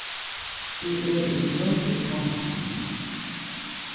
eg eri ímóti kongafamiljuni